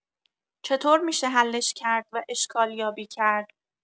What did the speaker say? چطور می‌شه حلش کرد و اشکال یابی کرد